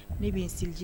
Ne bɛ n seliji